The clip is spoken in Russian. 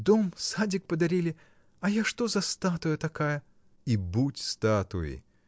Дом, садик подарили, а я что за статуя такая!. — И будь статуей!